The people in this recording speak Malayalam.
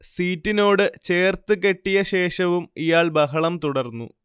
സീറ്റിനോട് ചേർത്ത് കെട്ടിയ ശേഷവും ഇയാൾ ബഹളം തുടർന്നു